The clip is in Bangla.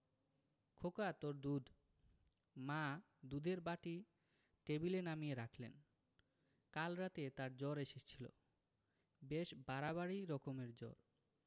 খোকা তোর দুধ মা দুধের বাটি টেবিলে নামিয়ে রাখলেন কাল রাতে তার জ্বর এসেছিল বেশ বাড়াবাড়ি রকমের জ্বর